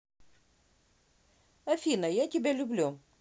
афина я тебя люблю